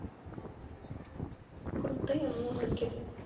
крутые музыки